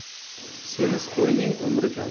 semiz qo'yning umri kalta